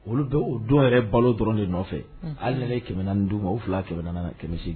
Olu dɔn o dɔn yɛrɛ balo dɔrɔn de nɔfɛ. Hali ni ne ye 400 du ma. U fila 400 - 400 ni 800.